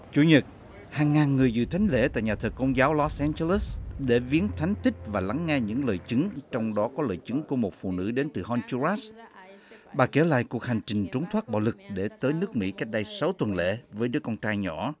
chủ nhật hàng ngàn người dự thánh lễ tại nhà thờ công giáo lốt an giơ lít để viếng thánh tích và lắng nghe những lời chứng trong đó có lời chứng của một phụ nữ đến từ hon đu rát bà kể lại cuộc hành trình trốn thoát bạo lực để tới nước mỹ cách đây sáu tuần lễ với đứa con trai nhỏ